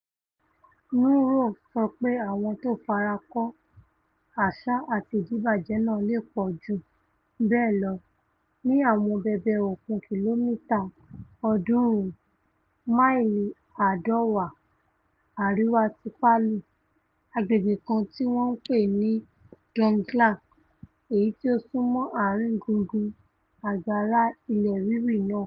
Nugroho sọ pé àwọn tó farakó áásá àti ìdibàjẹ́ náà leè pọ̀jù bẹ́ẹ̀ lọ ní àwọn bèbè òkun kílòmìtà 300 (máìlì 190) àríwá ti Palu, agbègbè̀ kan tíwọn ńpè ní Donggala, èyití ó súnmọ́ ààrin gungun agbára ilẹ̀ rírì náà.